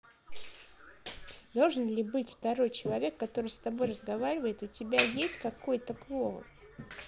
должен ли быть второй человек который с тобой разговаривает у тебя есть какой то клоун